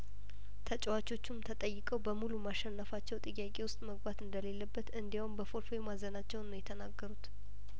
ተጫዋቾቹም ተጠይቀው በሙሉ ማሸነፋቸው ጥያቄ ውስጥ መግባት እንደሌለበት እንዲያውም በፎርፌው ማዘናቸውን ነው የተናገሩት